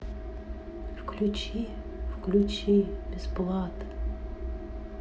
включи включи бесплат